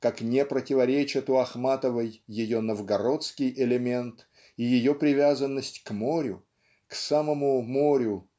как не противоречат у Ахматовой ее новгородский элемент и ее привязанность к морю к самому морю